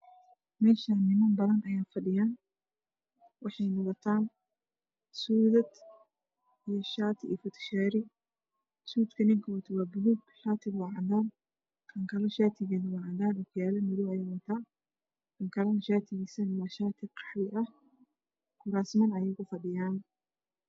Meshan nimaan badan ayaa fashiyan wexeyna wataan sudad iyo shati iyo futushari sudka ninka wato waa baluug shatiga waa cadan kan kalana tigusuwaa cagar okiyaal madow ayuu wataa kan kalana sharigiisu waa shati qaxwi ah kurasman ayeey ku fadhiyan